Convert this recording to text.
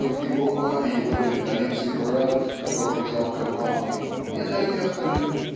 Монтигомо и его бледнолицый брат которому жалко мамы не доехали